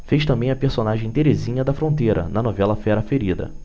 fez também a personagem terezinha da fronteira na novela fera ferida